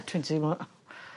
...dwi'n teimlo.